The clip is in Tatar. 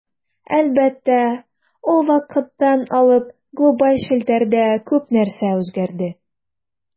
Әлбәттә, ул вакыттан алып глобаль челтәрдә күп нәрсә үзгәрде.